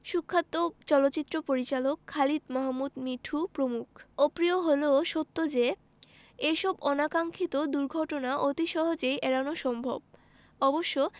সুখ্যাত চলচ্চিত্র পরিচালক খালিদ মাহমুদ মিঠু প্রমুখ অপ্রিয় হলেও সত্ত্বেও যে এসব অনাকাক্সিক্ষত দুর্ঘটনা অতি সহজেই এড়ানো সম্ভব অবশ্য